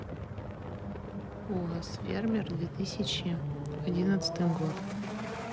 уаз фермер две тысячи одиннадцатый год